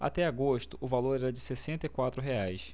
até agosto o valor era de sessenta e quatro reais